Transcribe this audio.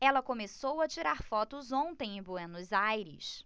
ela começou a tirar fotos ontem em buenos aires